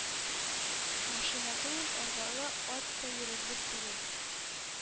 Машина түгел, арбалы ат та йөрерлек түгел.